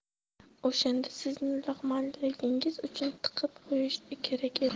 o'shanda sizni laqmaligingiz uchun tiqib qo'yish kerak edi